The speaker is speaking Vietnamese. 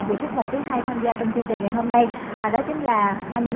vị khách mời thứ hai tham gia trong chương trình ngày hôm nay đó chính là anh